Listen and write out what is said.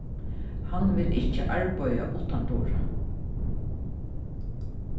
hann vil ikki arbeiða uttandura